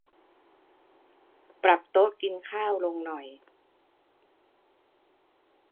ปรับโต๊ะกินข้าวลงหน่อย